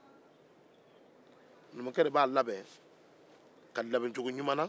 numukɛ de b'a labɛn labɛncogo ɲuman na